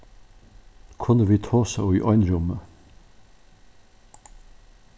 kunnu vit tosa í einrúmi